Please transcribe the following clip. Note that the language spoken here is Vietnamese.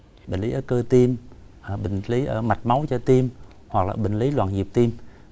bệnh lý ở cơ tim bệnh lý ở mạch máu cho tim hoặc là bệnh lý loạn nhịp tim